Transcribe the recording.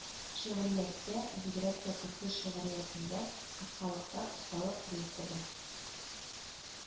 Шигърияттә, бигрәк тә көлке шигъриятендә, кыскалыкта осталык принцибы